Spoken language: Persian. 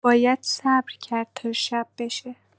باید صبر کرد تا شب بشه.